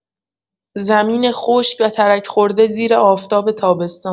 زمین خشک و ترک‌خورده زیر آفتاب تابستان